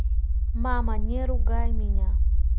мама не ругай меня